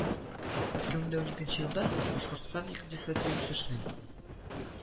Ике мең уникенче елда башкортстан икътисади үсешнең